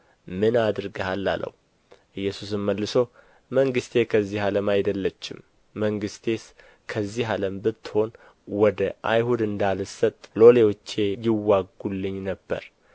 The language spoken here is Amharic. ምን አድርገሃል አለው ኢየሱስም መልሶ መንግሥቴ ከዚህ ዓለም አይደለችም መንግሥቴስ ከዚህ ዓለም ብትሆን ወደ አይሁድ እንዳልሰጥ ሎሌዎቼ ይዋጉልኝ ነበር